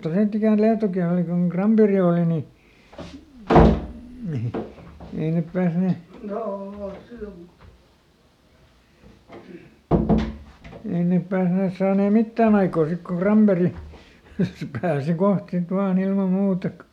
sitten ikänä Lietokin oli kun Granberg oli niin ei ne päässeet ei ne päässeet saaneet mitään aikaan sitten kun Granberg se pääsi kohta sitten vain ilman muuta kun